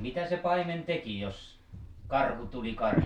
mitä se paimen teki jos karhu tuli karjaan